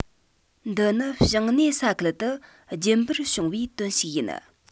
འདི ནི བྱང སྣེ ས ཁུལ དུ རྒྱུན པར བྱུང བའི དོན ཞིག ཡིན